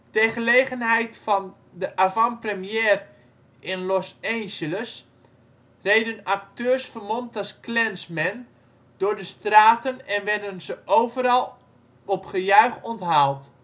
Ter gelegenheid van de avant-première in Los Angeles reden acteurs vermomd als Klansmen door de straten en werden ze overal op gejuich onthaald